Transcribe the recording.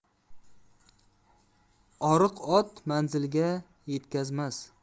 oriq ot manzilga yetkazmas